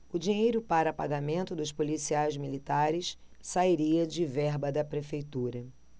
o dinheiro para pagamento dos policiais militares sairia de verba da prefeitura